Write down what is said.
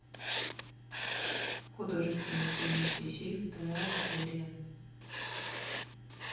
художественный фильм сиси вторая серия